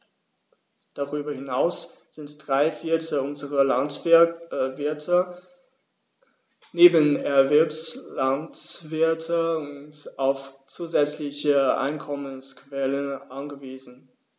Darüber hinaus sind drei Viertel unserer Landwirte Nebenerwerbslandwirte und auf zusätzliche Einkommensquellen angewiesen.